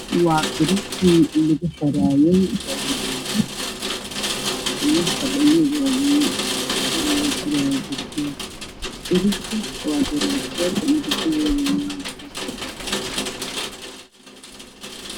Waa birarkii lagu xiraayay daah manka wiil fadhiya iyo mid kale suraayay darbiyada birarka waa birar saa'id u waa wayn.